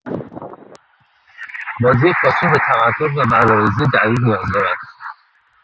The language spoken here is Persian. بازی پاسور به تمرکز و برنامه‌ریزی دقیقی نیاز دارد.